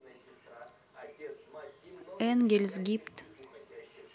энгельс гибдд